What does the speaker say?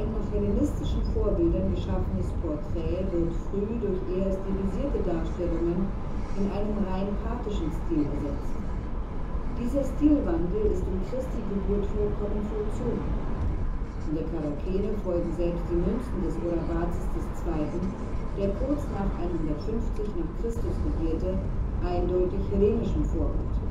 nach hellenistischen Vorbildern geschaffenes Portrait wird früh durch eher stilisierte Darstellungen in einem rein parthischen Stil ersetzt. Dieser Stilwandel ist um Christi Geburt vollkommen vollzogen. In der Charakene folgen selbst die Münzen des Orabazes II., der kurz nach 150 n. Chr. regierte, eindeutig hellenischem Vorbild